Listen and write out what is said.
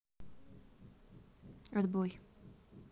отбой